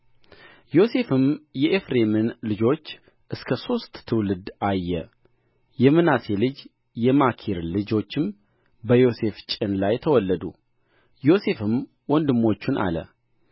ዮሴፍም የኤፍሬምን ልጆች እስከ ሦስት ትውልድ አየ የምናሴ ልጅ የማኪር ልጆችም በዮሴፍ ጭን ላይ ተወለዱ ዮሴፍም ወንድሞቹን አለ